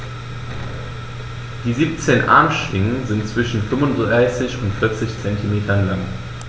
Die 17 Armschwingen sind zwischen 35 und 40 cm lang.